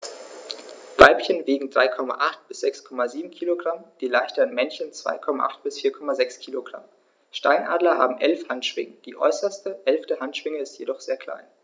Weibchen wiegen 3,8 bis 6,7 kg, die leichteren Männchen 2,8 bis 4,6 kg. Steinadler haben 11 Handschwingen, die äußerste (11.) Handschwinge ist jedoch sehr klein.